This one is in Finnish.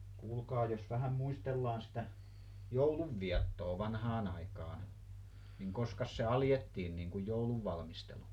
kuulkaa jos vähän muistellaan sitä joulun viettoa vanhaan aikaan niin koska se aletiin niin kuin joulun valmistelu